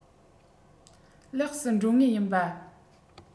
ལེགས སུ འགྲོ ངེས ཡིན པ